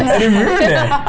er det mulig?